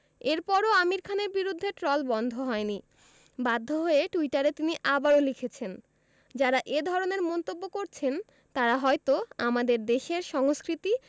এরপরও আমির খানের বিরুদ্ধে ট্রল বন্ধ হয়নি বাধ্য হয়ে টুইটারে তিনি আবারও লিখেছেন যাঁরা এ ধরনের মন্তব্য করছেন তাঁরা হয়তো আমাদের দেশের সংস্কৃতি